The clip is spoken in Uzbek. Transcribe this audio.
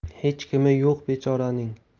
hech kimi yo'q bechoraning